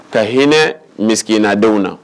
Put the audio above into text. Ka hinɛ misikinadenw na.